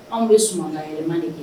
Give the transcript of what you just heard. Anw bɛ sun yɛlɛmani kɛ